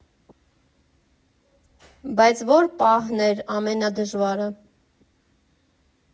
Բայց ո՞ր պահն էր ամենադժվարը։